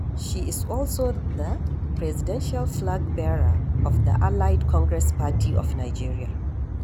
She is also the presidential flag-bearer of the Allied Congress Party of Nigeria.